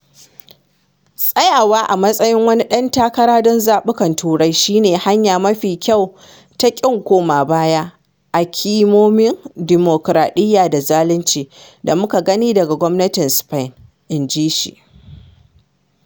“Tsayawa a matsayin wani ɗan takara don zaɓuɓɓukan Turai shi ne hanya mafi kyau ta kin koma baya a ƙimomin dimokuraɗiyya da zalunci da muka gani daga gwamnatin Spain,” inji shi.